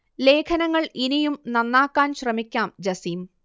ലേഖനങ്ങൾ ഇനിയും നന്നാക്കാൻ ശ്രമിക്കാം ജസീം